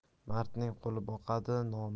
mardning qo'li boqadi